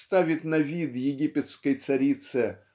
ставит на вид египетской царице